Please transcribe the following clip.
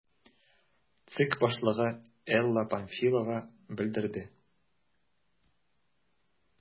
ЦИК башлыгы Элла Памфилова белдерде: